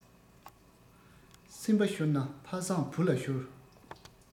སེམས པ ཤོར ན ཕ བཟང བུ ལ ཤོར